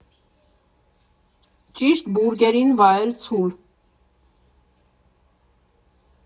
Ճիշտ բուրգերին վայել ցուլ։